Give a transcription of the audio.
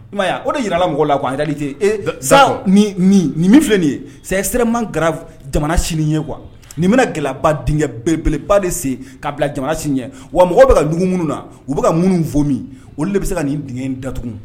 O de jirala mɔgɔ la' yɛrɛli tɛ ee sa nin min filɛ nin ye saya sirare man ga jamana sini ye kuwa nin bɛna gɛlɛyaba denkɛ bɛɛeleba de se k'a bila jamana sini ye wa mɔgɔ bɛ ka dugu minnu na u bɛka ka mun fɔ min olu de bɛ se ka nin denkɛ in datugu